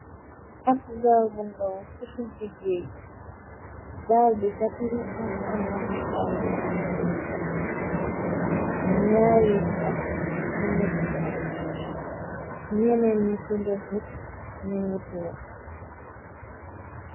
Ab gaal bu ndaw ci digi gej gaal bi kate ñu am ay maxambaane yu goor ñyarri kap ñu ngi taxaw ñyeneen ñu ci doset ñungituug.